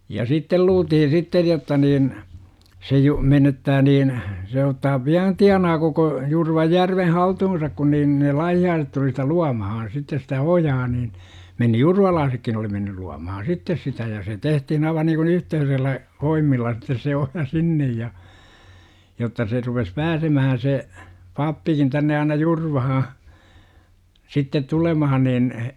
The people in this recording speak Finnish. ja sitten luultiin sitten jotta niin se - menettää niin se ottaa pian tienaa koko Jurvajärven haltuunsa kun niin ne laihialaiset tuli sitä luomaan sitten sitä ojaa niin meni jurvalaisetkin oli mennyt luomaan sitten sitä ja se tehtiin aivan niin kuin yhteisellä voimilla sitten se oja sinne ja jotta se rupesi pääsemään se pappikin tänne aina Jurvaan sitten tulemaan niin